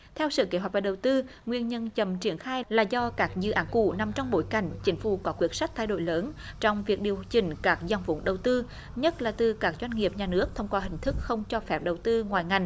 theo sở kế hoạch và đầu tư nguyên nhân chậm triển khai là do các dự án cũ nằm trong bối cảnh chính phủ có quyết sách thay đổi lớn trong việc điều chỉnh các dòng vốn đầu tư nhất là từ các doanh nghiệp nhà nước thông qua hình thức không cho phép đầu tư ngoài ngành